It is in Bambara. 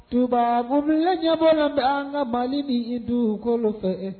Tuma kun ɲɛbɔ tan an ka mali ni ye duurukolo fɛ